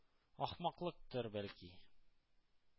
Ахмаклыктыр бәлки.